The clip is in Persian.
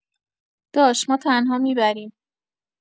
داش ما تنها می‌بریم